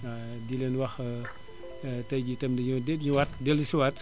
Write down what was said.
di leen wax tey jii itam dañoo delluwaat dellusiwaat